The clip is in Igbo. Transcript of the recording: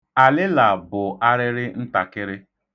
Alịla bụ arịrị ntakịrị.